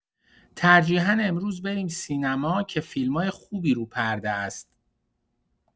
ترجیحا امروز بریم سینما که فیلمای خوبی رو پرده است.